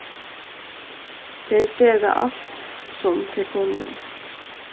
tey gera alt sum tey kunnu